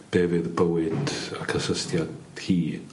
be' fydd bywyd a cysystiad hi